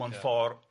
mewn ffordd